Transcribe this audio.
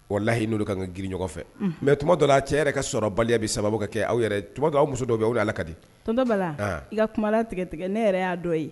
Wala lahiyi'olu ka kan ka grini ɲɔgɔn fɛ mɛ tuma dɔ a cɛ yɛrɛ kasɔrɔ baliya bɛ sababu ka kɛ aw tu aw muso dɔw bɛ ala ka di tɔn bala i ka kumala tigɛtigɛ ne yɛrɛ y'a dɔn ye